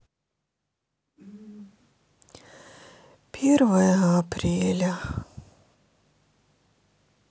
первое апреля